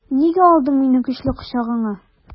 Нигә алдың мине көчле кочагыңа?